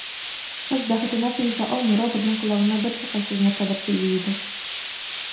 Кыз, бәхетенә сыеша алмый, роботның колагына бертуктаусыз нәрсәдер сөйли иде.